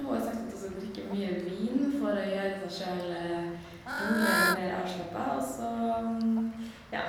Hun har sagt at hun skal drikke mye vin for å gjøre seg sjøl roligere og mer avslappa, og så ja.